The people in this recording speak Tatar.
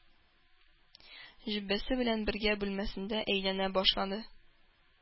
Җөббәсе белән бергә бүлмәсендә әйләнә башлады.